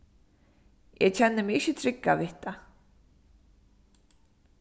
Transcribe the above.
eg kenni meg ikki trygga við tað